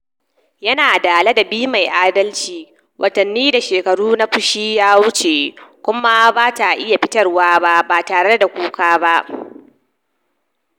Yana da ladabi mai adalci, watanni da shekaru na fushi ya wuce, kuma ba ta iya fitarwa ba, ba tare da kuka ba.